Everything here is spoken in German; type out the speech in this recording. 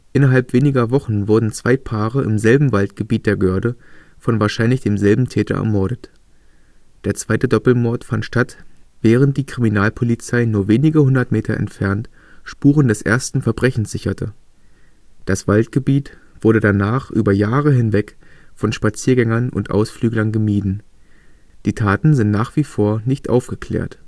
Innerhalb weniger Wochen wurden zwei Paare im selben Waldgebiet der Göhrde von wahrscheinlich demselben Täter ermordet. Der zweite Doppelmord fand statt, während die Kriminalpolizei nur wenige hundert Meter entfernt Spuren des ersten Verbrechens sicherte. Das Waldgebiet wurde danach über Jahre hinweg von Spaziergängern und Ausflüglern gemieden. Die Taten sind nach wie vor nicht aufgeklärt